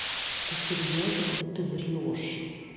ты серьезно да ты врешь